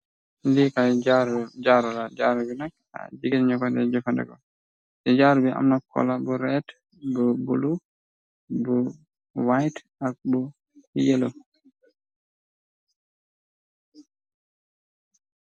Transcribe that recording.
Li nak jaru, tè jaru bi jigéen ñi ño koy jafandiko. Tè jaru bi am kola bu red, bu bulu, bu white ak bu yellow.